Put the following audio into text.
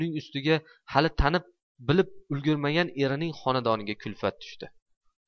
buning ustiga hali tanib bilib ulgurmagan erining xonadoniga kulfat tushdi